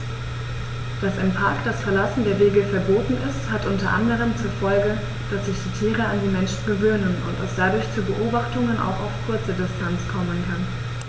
Dass im Park das Verlassen der Wege verboten ist, hat unter anderem zur Folge, dass sich die Tiere an die Menschen gewöhnen und es dadurch zu Beobachtungen auch auf kurze Distanz kommen kann.